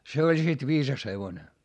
se oli sitten viisas hevonen